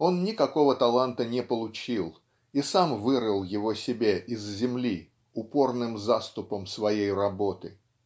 он никакого таланта не получил и сам вырыл его себе из земли упорным заступом своей работы.